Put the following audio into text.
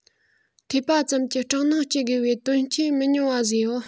ཐོས པ ཙམ གྱིས སྐྲག སྣང སྐྱེ དགོས པའི དོན རྐྱེན མི ཉུང བ བཟོས ཡོད